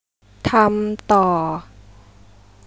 ทำต่อ